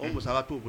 O musosala t'o